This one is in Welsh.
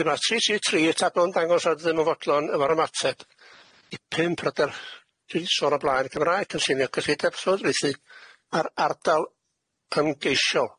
De ma' tri tri tri y tabl yn dangos ar ddim yn fodlon efo'r ymateb i pump ryder tris o'r o blaen y Gymraeg yn sinio gyslyd epsod reithi ar ardal ymgeisio.